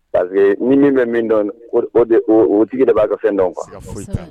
Pa que ni min bɛ min dɔn o o tigi de b'a ka fɛn dɔn kan